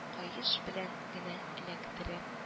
Каеш белән генә эләктереп